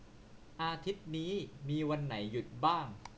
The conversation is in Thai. อาทิตย์นี้มีวันไหนหยุดบ้าง